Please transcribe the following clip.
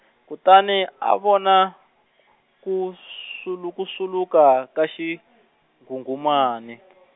kutani a vona, ku swulu- ku swuluka ka xinghunghumani.